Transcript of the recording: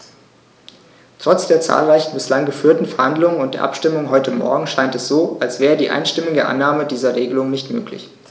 Trotz der zahlreichen bislang geführten Verhandlungen und der Abstimmung heute Morgen scheint es so, als wäre die einstimmige Annahme dieser Regelung nicht möglich.